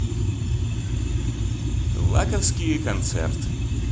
лаковский концерт